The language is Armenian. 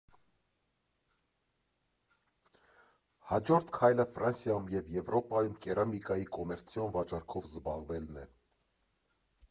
Հաջորդ քայլը Ֆրանսիայում և Եվրոպայում կերամիկայի կոմերցիոն վաճառքով զբաղվելն է։